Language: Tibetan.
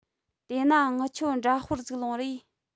དེས ན ངི ཆོའ འདྲ དཔར ཟིག ལོངས རེས